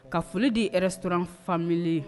Ka foli de ye s siranuran faamuya